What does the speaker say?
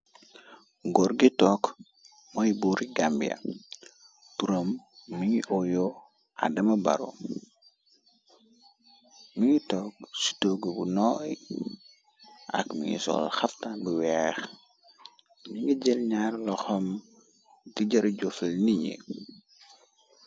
Goor gi tokk mooy buri gambia turam mi ngi oyoo adama baro mi ngi tokk ci tooge bu nooy ak mi soll xafta bi weex li ngi jël ñaar la xam di jare jofel niñe.